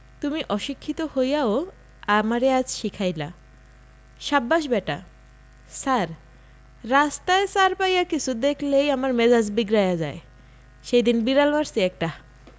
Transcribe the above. তুমি অশিক্ষিত হইয়াও আমারে আজ শিখাইলা সাব্বাস ব্যাটা ছার রাস্তায় চাইর পায়া কিছু দেখলেই আমার মেজাজ বিগড়ায়া যায় সেইদিন বিড়াল মারছি একটা